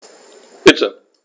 Bitte.